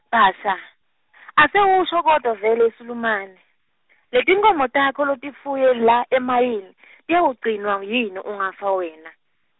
Bhasha , Asewusho kodvwa vele yeSulumane, letinkhomo takho lotifuye la emayini , tiyawugcinwa yini ungafa wena?